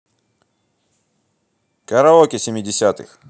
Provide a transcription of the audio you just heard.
караоке семидесятых